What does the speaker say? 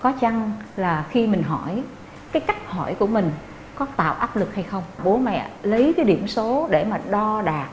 có chăng là khi mình hỏi cái cách hỏi của mình có tạo áp lực hay không bố mẹ lấy cái điểm số để mà đo đạc